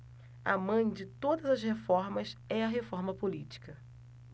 a mãe de todas as reformas é a reforma política